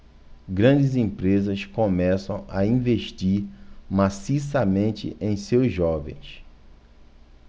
grandes empresas começam a investir maciçamente em seus jovens